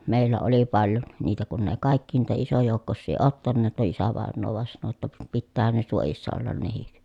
meillä oli paljon niitä kun ne kaikki ei niitä isojoukkoisia ottaneet no isävainaja vain sanoi jotta - pitäähän ne suojissa olla nekin